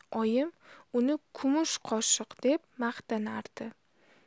oyim uni kumush qoshiq deb maqtardi